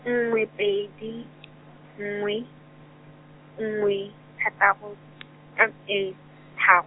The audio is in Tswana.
nngwe pedi , nngwe, nngwe, thataro , thar- e tharo.